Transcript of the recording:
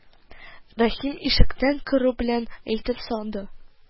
Рәхим ишектән керү белән әйтеп салды: